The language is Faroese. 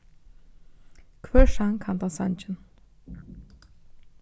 hvør sang handa sangin